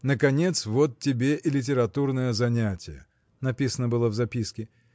Наконец вот тебе и литературное занятие – написано было в записке